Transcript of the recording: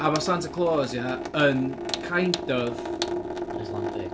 A ma' Santa Clôs ie yn kind of... Icelandic.